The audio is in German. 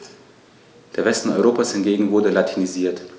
Der Westen Europas hingegen wurde latinisiert.